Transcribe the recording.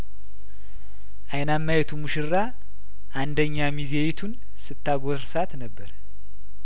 አይናማዪቱ ሙሽራ አንደኛ ሚዜዪቱን ስታጐርሳት ነበር